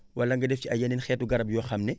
wala nga def ci ay yeneen xeetu garab yoo xam ne